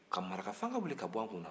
ka marakafanga wuli ka bɔ an kun na